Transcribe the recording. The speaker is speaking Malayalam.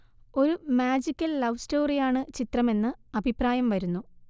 ഒരു മാജിക്കൽ ലൌവ് സ്റ്റോറിയാണ് ചിത്രമെന്ന് അഭിപ്രായം വരുന്നു